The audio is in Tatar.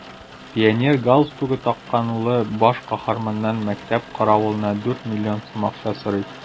Пионер галстугы таккан улы баш каһарманнан мәктәп каравылына дүрт миллион сум акча сорый.